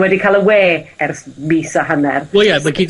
wedi ca'l y we ers m- mis a hanner. Wel ia ma' gin...